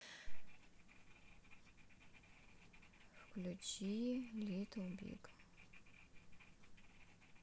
включи литл биг